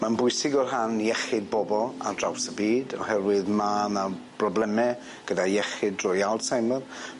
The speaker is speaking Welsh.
Ma'n bwysig o rhan iechyd bobol ar draws y byd oherwydd ma' 'na brobleme gyda iechyd drwy Alzheimer.